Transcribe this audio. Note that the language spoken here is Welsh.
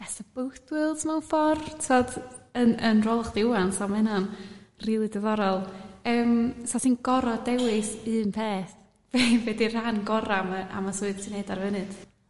best of both worlds mewn ffor t'od yn... yn rôl chdi 'ŵan so ma' hyna'n rili diddorol yym 'sa ti'n goro dewis un peth be... be 'di'r rhan gora' 'ma... am y swydd ti'n neud ar y funud?